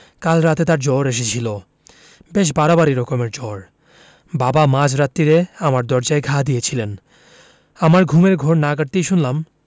কাল রাতে তার জ্বর এসেছিল বেশ বাড়াবাড়ি রকমের জ্বর বাবা মাঝ রাত্তিরে আমার দরজায় ঘা দিয়েছিলেন আমার ঘুমের ঘোর না কাটতেই শুনলাম